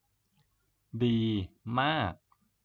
ดีมาก